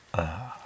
waaw